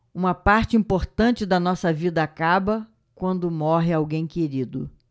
uma parte importante da nossa vida acaba quando morre alguém querido